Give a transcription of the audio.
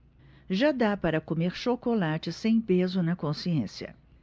já dá para comer chocolate sem peso na consciência